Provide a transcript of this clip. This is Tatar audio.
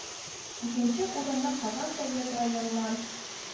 Икенче урынны Казанны Совет районнан